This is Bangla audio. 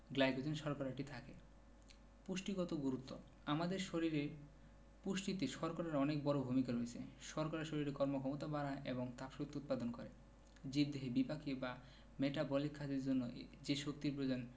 গ্লাইকোজেন শর্করাটি থাকে পুষ্টিগত গুরুত্ব আমাদের শরীরের পুষ্টিতে শর্করার অনেক বড় ভূমিকা রয়েছে শর্করা শরীরের কর্মক্ষমতা বাড়ায় এবং তাপশক্তি উৎপাদন করে জীবদেহে বিপাকীয় বা মেটাবলিক কাজের জন্য যে শক্তির প্রয়োজন